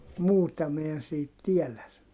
muuta minä en siitä tiedä -